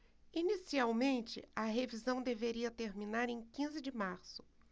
inicialmente a revisão deveria terminar em quinze de março